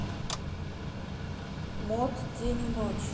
мот день и ночь